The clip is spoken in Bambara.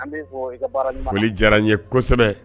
Diyara n ye kosɛbɛ